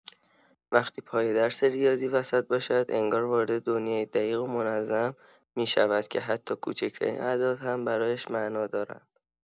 وقتی پای درس ریاضی وسط باشد، انگار وارد دنیایی دقیق و منظم می‌شود که حتی کوچک‌ترین اعداد هم برایش معنا دارند.